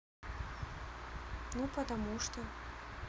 ну потому что